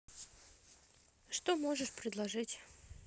что можешь предложить